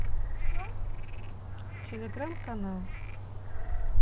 телеграмм канал